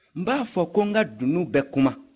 n b'a fɔ ko n ka dunun bɛ kuma